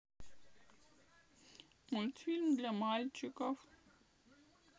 мультфильм для мальчиков